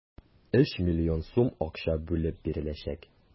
3 млн сум акча бүлеп биреләчәк.